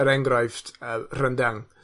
er enghraifft, yy rendang.